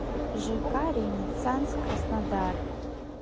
жк ренессанс краснодар